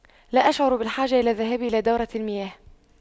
لا أشعر بالحاجة إلى الذهاب إلى دورة المياه